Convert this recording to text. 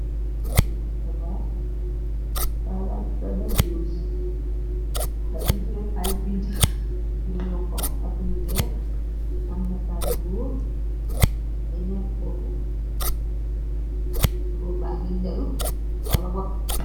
Kayti xibaax ba badajoos fagufe ay bind gindi yu xong ak yu weex am nataali góori nekk fofu, góor ba ngi ndelu wala wotu.